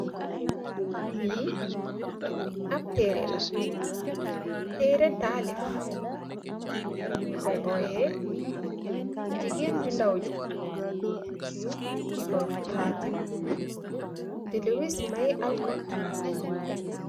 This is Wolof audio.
Li ap tereh la tereh talif nyung koi oyeh gigeen gi ndow ji dikoh khatim